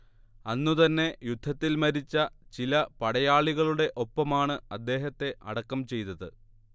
അന്നു തന്നെ യുദ്ധത്തിൽ മരിച്ച ചില പടയാളികളുടെ ഒപ്പമാണ് അദ്ദേഹത്തെ അടക്കം ചെയ്തത്